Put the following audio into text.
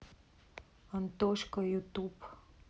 антошка ютуб